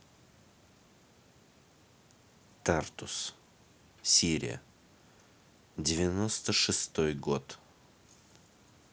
тартус сирия девяносто шестой год